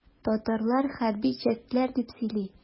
Татарлар хәрби чәстләр дип сөйли.